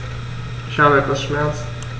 Ich habe etwas Schmerzen.